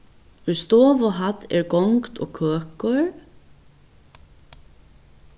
í stovuhædd er gongd og køkur